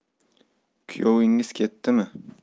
kuyovingiz ketdimi